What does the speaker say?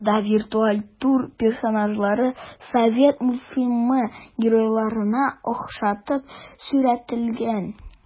Анда виртуаль тур персонажлары совет мультфильмы геройларына охшатып сурәтләнгән.